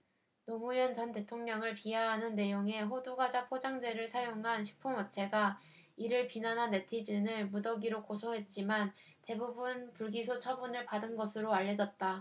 노무현 전 대통령을 비하하는 내용의 호두과자 포장재를 사용한 식품업체가 이를 비난한 네티즌을 무더기로 고소했지만 대부분 불기소 처분을 받은 것으로 알려졌다